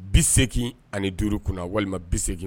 Bi segin ani duuru kunna walima bi segin